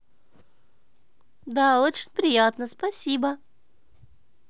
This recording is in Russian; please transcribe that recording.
да очень приятно спасибо